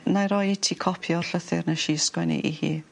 'Nai roi i ti copi o'r llythyr nesh i sgwennu i hi.